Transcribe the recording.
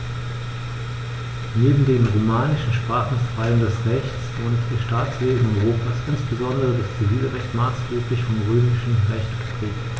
Neben den romanischen Sprachen ist vor allem das Rechts- und Staatswesen Europas, insbesondere das Zivilrecht, maßgeblich vom Römischen Recht geprägt.